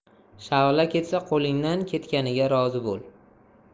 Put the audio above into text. shavla ketsa qo'lingdan ketganiga rozi bo'l